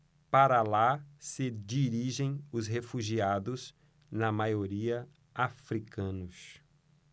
para lá se dirigem os refugiados na maioria hútus